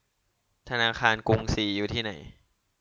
ธนาคารกรุงศรีอยู่ที่ไหน